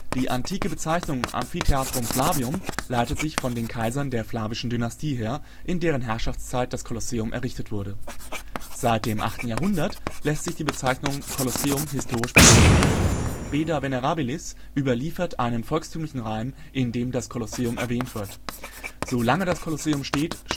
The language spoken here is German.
Die antike Bezeichnung Amphitheatrum Flavium leitet sich von den Kaisern der flavischen Dynastie her, in deren Herrschaftszeit das Kolosseum errichtet wurde. Seit dem 8. Jahrhundert lässt sich die Bezeichnung " Kolosseum " historisch belegen. Beda Venerabilis überliefert einen volkstümlichen Reim, in dem das Kolosseum erwähnt wird: Solange das Kolosseum steht